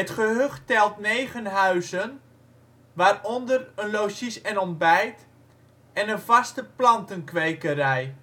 gehucht telt negen huizen, waaronder een logies en ontbijt en een vaste plantenkwekerij